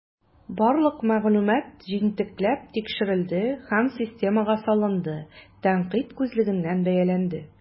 Барлык мәгълүмат җентекләп тикшерелде һәм системага салынды, тәнкыйть күзлегеннән бәяләнде.